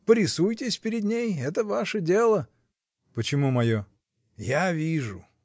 Порисуйтесь перед ней, это ваше дело. — Почему мое? — Я вижу.